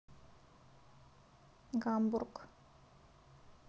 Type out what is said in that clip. гамбург